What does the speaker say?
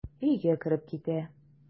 Өйгә кереп китә.